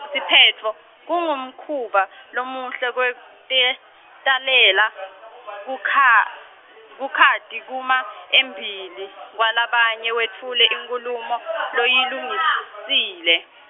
Siphetfo, Kungumkhuba, lomuhle kwe- teya- talela-, kukwa- kukwati kuma, embili, kwalabanye wetfule inkhulumo, loyilungisile.